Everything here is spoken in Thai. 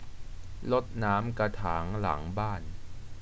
รดน้ำกระถางหลังบ้าน